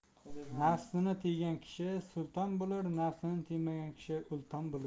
nafsini tiygan kishi sulton bo'lur nafsini tiymagan kishi ulton bo'lur